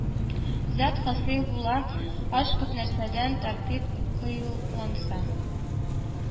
Зәт хасыйл була, аш күп нәрсәдән тәркиб кыйлынса